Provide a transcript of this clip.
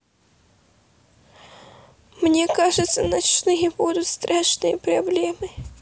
мне кажется ночные будут страшные проблемы